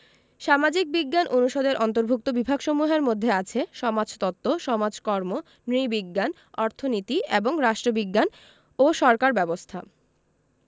সামাজিক বিজ্ঞান অনুষদের অন্তর্ভুক্ত বিভাগসমূহের মধ্যে আছে সমাজতত্ত্ব সমাজকর্ম নৃবিজ্ঞান অর্থনীতি এবং রাষ্ট্রবিজ্ঞান ও সরকার ব্যবস্থা